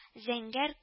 Зәңгәр